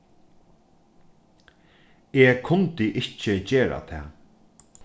eg kundi ikki gera tað